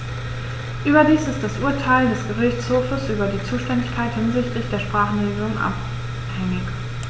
Überdies ist das Urteil des Gerichtshofes über die Zuständigkeit hinsichtlich der Sprachenregelung anhängig.